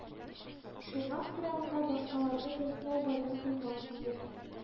Шуңа күрә анда башкаларны кертмәү гадел булмас иде